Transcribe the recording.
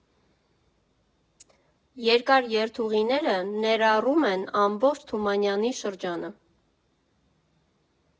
Երկար երթուղիները ներառում են ամբողջ Թումանյանի շրջանը։